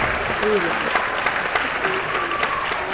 írland